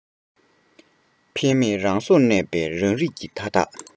འཕེལ མེད རང སོར གནས པའི རང རིགས ཀྱི མཐའ དག